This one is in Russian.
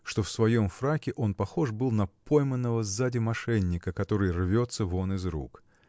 что в своем фраке он похож был на пойманного сзади мошенника который рвется вон из рук.